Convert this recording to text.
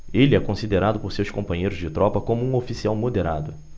ele é considerado por seus companheiros de tropa como um oficial moderado